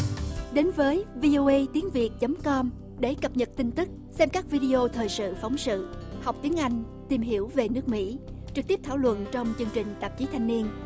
đến với vi ô ây tiếng việt chấm com để cập nhật tin tức xem các vi đi ô thời sự phóng sự học tiếng anh tìm hiểu về nước mỹ trực tiếp thảo luận trong chương trình tạp chí thanh niên